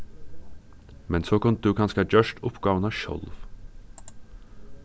men so kundi tú kanska gjørt uppgávuna sjálv